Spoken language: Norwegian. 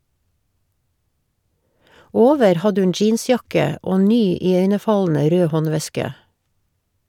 Over hadde hun jeansjakke og ny iøynefallende rød håndveske.